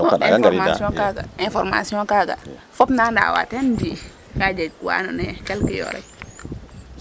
so information kaaga information kaaga fop naa ndaawaa teen ndi ka jeg wa andoona yee quelque yo rek